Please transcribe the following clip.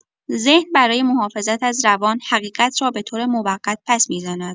ذهن برای محافظت از روان، حقیقت را به‌طور موقت پس می‌زند.